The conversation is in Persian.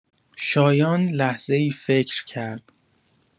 شایان لحظه‌ای فکر کرد.